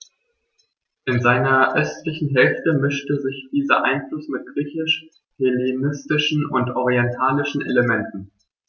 In seiner östlichen Hälfte mischte sich dieser Einfluss mit griechisch-hellenistischen und orientalischen Elementen.